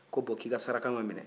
ko bɔn ko i ka saraka ma minɛ